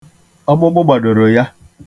Ọkpụkpụ gbadoro ya.